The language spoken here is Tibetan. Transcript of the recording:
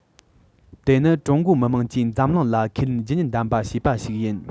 དེ ནི ཀྲུང གོའི མི དམངས ཀྱིས འཛམ གླིང ལ ཁས ལེན བརྗིད ཉམས ལྡན པ བྱས པ ཞིག ཡིན